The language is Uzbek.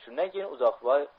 shundan keyin uzuqboy